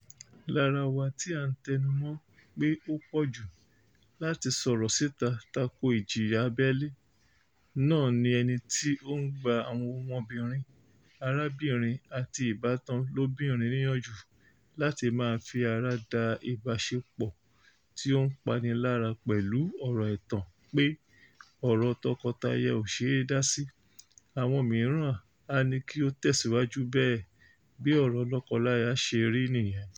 Lára wa tí à ń tẹnumọ́ ọn pé ó pọ̀jù [láti sọ̀rọ̀ síta tako ìjìyà Abẹ́lé] náà ni ẹni tí ó ń gba àwọn ọmọbìnrin, arábìnrin àti ìbátan lóbìnrin níyànjú láti máa fi ara da ìbáṣepọ̀ tí ó ń pani lára pẹ̀lú ọ̀rọ̀-ẹ̀tàn pé ọ̀rọ̀ tọkọtaya ò ṣe é dá sí, àwọn mìíràn á ní kí o tẹ̀síwajú bẹ́ẹ̀, bí ọ̀rọ̀ lọ́kọláya ṣe rí nìyẹn...